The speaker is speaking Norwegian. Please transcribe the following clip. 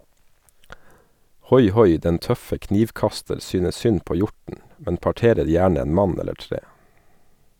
Hoi-hoi, den tøffe knivkaster synes synd på hjorten, men parterer gjerne en mann eller tre.